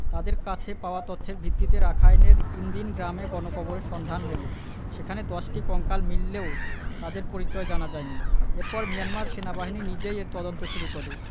তাঁদের কাছে পাওয়া তথ্যের ভিত্তিতে রাখাইনের ইন দিন গ্রামে গণকবরের সন্ধান মেলে সেখানে ১০টি কঙ্কাল মিললেও তাদের পরিচয় জানা যায়নি এরপর মিয়ানমার সেনাবাহিনী নিজেই এর তদন্ত শুরু করে